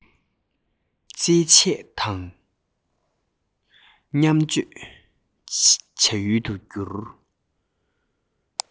རྩེད ཆས དང བརྙས བཅོས བྱ ཡུལ དུ གྱུར